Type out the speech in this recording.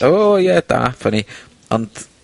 ...o ie da, funny, ond